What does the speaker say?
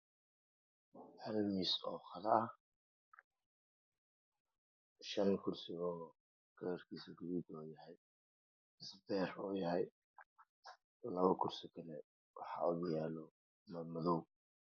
Hal miis oo qado ah iyo shan kursi kalarkiisu uu yahay beer iyo labo kursi oo madow ah.